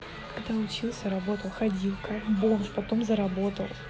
когда учился работал ходил как бомж потом заработал